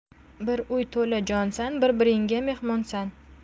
bir uy to'la jonsan bir biringga mehmonsan